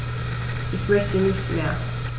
Ich möchte nicht mehr.